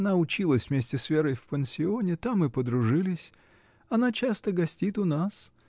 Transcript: Она училась вместе с Верой в пансионе, там и подружились. Она часто гостит у нас.